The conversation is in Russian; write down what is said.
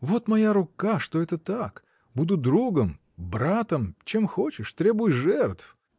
— Вот моя рука, что это так: буду другом, братом — чем хочешь, требуй жертв.